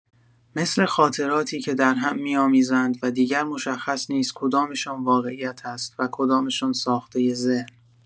مثل خاطراتی که درهم می‌آمیزند و دیگر مشخص نیست کدام‌شان واقعیت است و کدام‌شان ساختۀ ذهن.